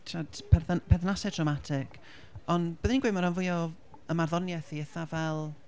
timod perthyn- perthnasau traumatic ond byddwn i'n gweud bod yna fwy o 'y marddoniaeth i eitha fel...